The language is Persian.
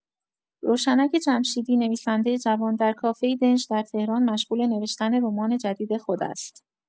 روشنک جمشیدی، نویسنده جوان، در کافه‌ای دنج در تهران مشغول نوشتن رمان جدید خود است.